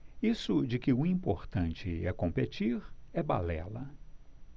isso de que o importante é competir é balela